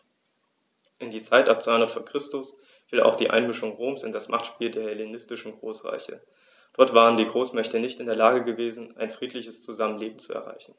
In die Zeit ab 200 v. Chr. fiel auch die Einmischung Roms in das Machtspiel der hellenistischen Großreiche: Dort waren die Großmächte nicht in der Lage gewesen, ein friedliches Zusammenleben zu erreichen.